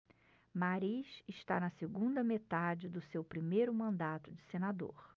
mariz está na segunda metade do seu primeiro mandato de senador